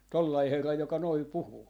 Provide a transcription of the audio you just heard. tuollainen herra joka noin puhuu